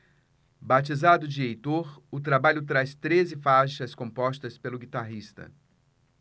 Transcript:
batizado de heitor o trabalho traz treze faixas compostas pelo guitarrista